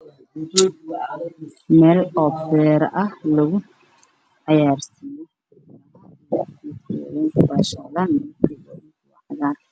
Waa dhul caagaaran oo beer ah